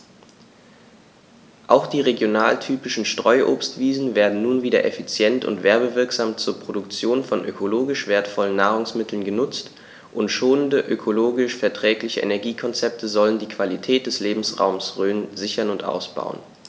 Auch die regionaltypischen Streuobstwiesen werden nun wieder effizient und werbewirksam zur Produktion von ökologisch wertvollen Nahrungsmitteln genutzt, und schonende, ökologisch verträgliche Energiekonzepte sollen die Qualität des Lebensraumes Rhön sichern und ausbauen.